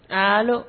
Aa